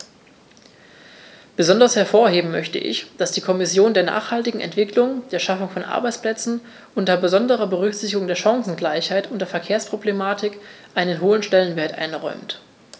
Besonders hervorheben möchte ich, dass die Kommission der nachhaltigen Entwicklung, der Schaffung von Arbeitsplätzen unter besonderer Berücksichtigung der Chancengleichheit und der Verkehrsproblematik einen hohen Stellenwert einräumt.